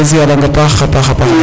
in way siare'ang a paax a paax ,